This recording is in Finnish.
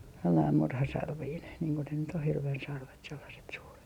sellainen murhasarvinen niin kuin ne nyt on hirven sarvet sellaiset suuret